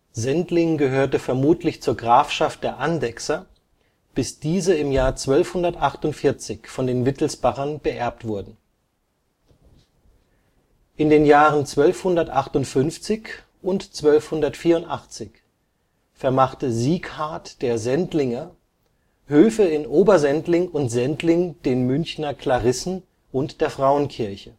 Sendling gehörte vermutlich zur Grafschaft der Andechser, bis diese 1248 von den Wittelsbachern beerbt wurden. 1258 und 1284 vermachte Sighart der Sendlinger Höfe in Obersendling und Sendling den Münchner Klarissen und der Frauenkirche